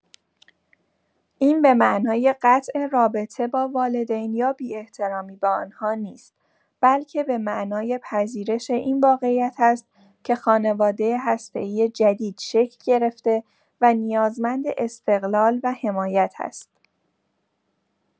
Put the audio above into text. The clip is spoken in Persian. این به معنای قطع رابطه با والدین یا بی‌احترامی به آن‌ها نیست، بلکه به معنای پذیرش این واقعیت است که خانواده هسته‌ای جدید شکل گرفته و نیازمند استقلال و حمایت است.